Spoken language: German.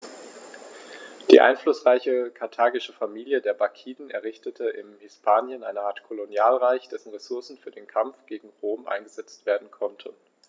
Die einflussreiche karthagische Familie der Barkiden errichtete in Hispanien eine Art Kolonialreich, dessen Ressourcen für den Kampf gegen Rom eingesetzt werden konnten.